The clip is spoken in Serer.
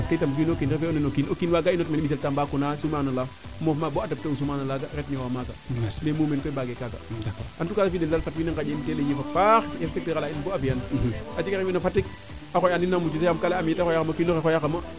parce que o kiino kiiin waaga inorit mene mbisel Tambacounda moof ma bo adapter u sumana laaga ret ñoowa maaga mais mumeen koy mbaage kaaga en tout cas daal fat wiin we ngaƴa teena yiif a paax a jega mene no Fatick o qoya andiim nama muju yaam kaa ley aame yeete xoya xama o kiino xe xooya xama